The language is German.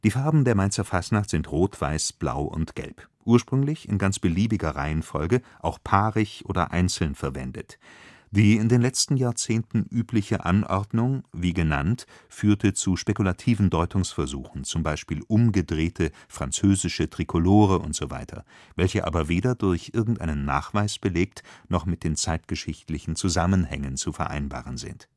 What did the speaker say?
Farben der Mainzer Fastnacht sind rot, weiß, blau und gelb, ursprünglich in ganz beliebiger Reihenfolge, auch paarig oder einzeln verwendet. Die in den letzten Jahrzehnten übliche Anordnung – wie genannt – führte zu spekulativen Deutungsversuchen (z. B. „ umgedrehte “französische Trikolore usw.), welche aber weder durch irgendeinen Nachweis belegt noch mit den zeitgeschichtlichen Zusammenhängen zu vereinbaren sind